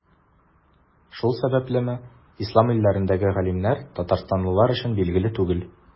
Шул сәбәплеме, Ислам илләрендәге галимнәр Татарстанлылар өчен билгеле түгел.